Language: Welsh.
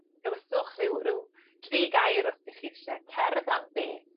dewyswch rhyw ryw dri gair os 'dych chi isie. Cerdd am beth